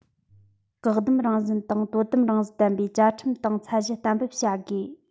བཀག སྡོམ རང བཞིན དང དོ དམ རང བཞིན ལྡན པའི བཅའ ཁྲིམས དང ཚད གཞི གཏན འབེབས བྱ དགོས